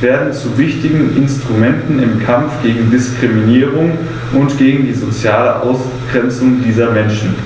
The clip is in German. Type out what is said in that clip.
werden zu wichtigen Instrumenten im Kampf gegen Diskriminierung und gegen die soziale Ausgrenzung dieser Menschen.